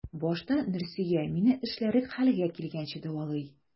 Башта Нурсөя мине эшләрлек хәлгә килгәнче дәвалый.